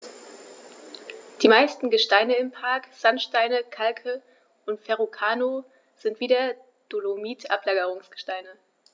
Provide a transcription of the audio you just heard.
Die meisten Gesteine im Park – Sandsteine, Kalke und Verrucano – sind wie der Dolomit Ablagerungsgesteine.